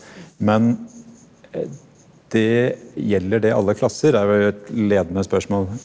men det gjelder det alle klasser er vel et ledende spørsmål?